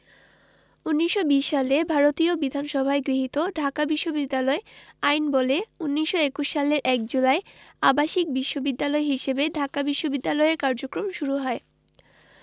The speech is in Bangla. ১৯২০ সালে ভারতীয় বিধানসভায় গৃহীত ঢাকা বিশ্ববিদ্যালয় আইনবলে ১৯২১ সালের ১ জুলাই আবাসিক বিশ্ববিদ্যালয় হিসেবে ঢাকা বিশ্ববিদ্যালয়ের কার্যক্রম শুরু হয়